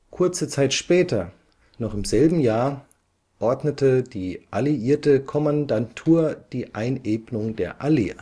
Kurze Zeit später, noch im selben Jahr, ordnete die Alliierte Kommandantur die Einebnung der Allee